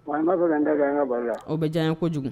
Wa' fɛ la o bɛ diya kojugu